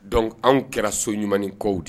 Dɔn anw kɛra so ɲuman kɔw de